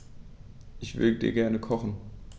Ich würde gerne kochen.